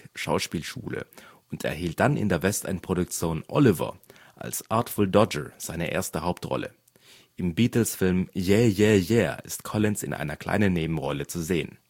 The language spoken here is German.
Speake-Schauspielschule und erhielt dann in der Westend-Produktion Oliver! als Artful Dodger seine erste Hauptrolle. Im Beatles-Film Yeah Yeah Yeah ist Collins in einer kleinen Nebenrolle zu sehen